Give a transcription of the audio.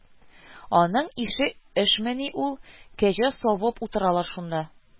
Аның ише эшмени ул, кәҗә савып утыралар шунда